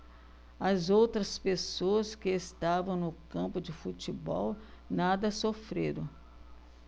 as outras pessoas que estavam no campo de futebol nada sofreram